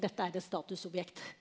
dette er et statusobjekt.